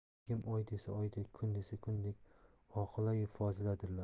begim oy desa oydek kun desa kundek oqilayu foziladirlar